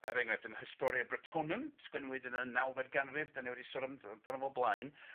Er enghraifft yn y Hystoria Brittonum, sgwennwyd yn y nawfed ganrif, 'dan ni wedi sôn am d- dano fo o blaen